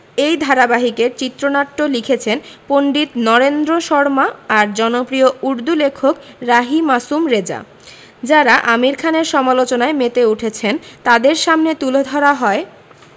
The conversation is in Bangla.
এই ধারাবাহিকের চিত্রনাট্য লিখেছেন পণ্ডিত নরেন্দ্র শর্মা আর জনপ্রিয় উর্দু লেখক রাহি মাসুম রেজা যাঁরা আমির খানের সমালোচনায় মেতে উঠেছেন তাঁদের সামনে তুলে ধরা হয়